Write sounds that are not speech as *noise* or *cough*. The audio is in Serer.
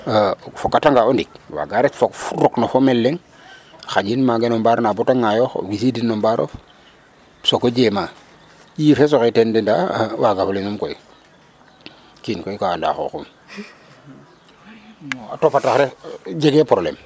o foka tanga o ɗik waga ret rok no femele leŋ xaƴin maga no mbaar na bata ŋayoox o mbisi din no mbarof sogo jema yifes o xey teen de nda waga fulinum koy kiin koy ka anda xoxum *noise* a topatax rek jege problème